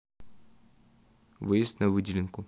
выезд на выделенку